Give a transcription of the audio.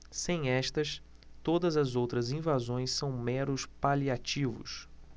sem estas todas as outras invasões são meros paliativos